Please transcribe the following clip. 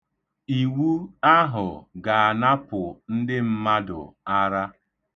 Iwu ahụ ga-anapụ ndị mmadụ ara.